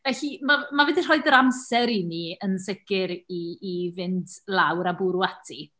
Felly, ma' mae fe 'di rhoi yr amser i ni yn sicr i i fynd lawr a bwrw ati.